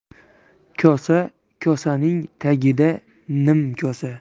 kosa kosaning tagida nimkosa